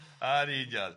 Yn union.